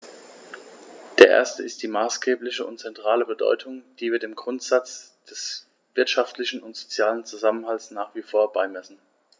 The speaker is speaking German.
Der erste ist die maßgebliche und zentrale Bedeutung, die wir dem Grundsatz des wirtschaftlichen und sozialen Zusammenhalts nach wie vor beimessen.